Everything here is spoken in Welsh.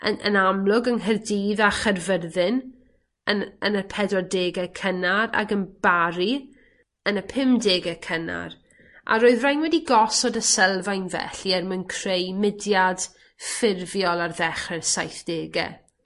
yn yn amlwg yng Nghaerdydd a Caerfyrddin yn yn y pedwardege cynnar ag yn Bari yn y pum dege cynnar a roedd rain wedi gosod y sylfaen felly er mwyn creu mudiad ffurfiol ar ddechre'r saithdege.